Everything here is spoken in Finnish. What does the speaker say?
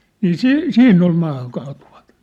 niin - siinä oli maahankaatuvatauti